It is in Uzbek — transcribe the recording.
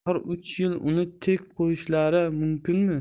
axir uch yil uni tek qo'yishlari mumkinmi